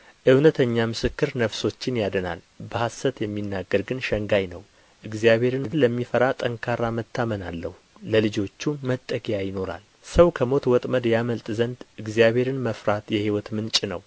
እውነተኛ ምስክር ነፍሶችን ያድናል በሐሰት የሚናገር ግን ሸንጋይ ነው እግዚአብሔርን ለሚፈራ ጠንካራ መታመን አለው ለልጆቹም መጠጊያ ይኖራል ሰው ከሞት ወጥመድ ያመልጥ ዘድን እግዚአብሔርን መፍራት የሕይወት ምንጭ ነው